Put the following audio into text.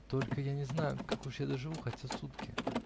только я не знаю, как уж я доживу хотя сутки.